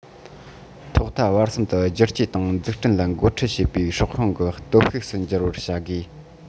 ཐོག མཐའ བར གསུམ དུ བསྒྱུར བཅོས དང འཛུགས སྐྲུན ལ འགོ ཁྲིད བྱེད པའི སྲོག ཤིང གི སྟོབས ཤུགས སུ འགྱུར བར བྱ དགོས